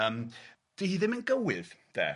...yym dydi hi ddim yn gywydd de.